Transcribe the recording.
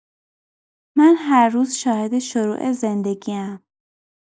من هر روز شاهد شروع زندگی‌ام.